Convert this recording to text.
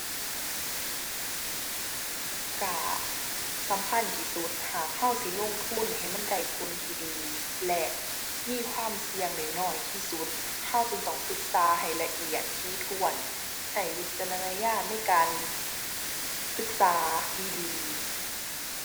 ก็ สำคัญที่สุดหากก็สิลงทุนให้มันได้ผลที่ดีและมีความเสี่ยงได้น้อยที่สุด ก็จึงต้องศึกษาให้ละเอียดถี่ถ้วน ใช้วิจารณญาณในการศึกษาดีดี